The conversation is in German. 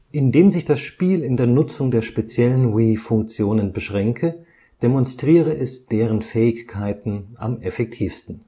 Indem sich das Spiel in der Nutzung der speziellen Wii-Funktionen beschränke, demonstriere es deren Fähigkeiten am effektivsten